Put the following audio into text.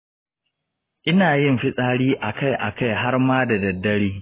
ina yin fitsari akai akai harma da daddare.